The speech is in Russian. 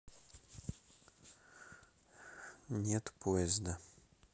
нет поезда